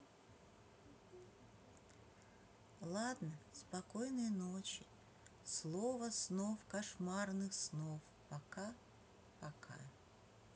ладно спокойной ночи слово снов кошмарных снов пока пока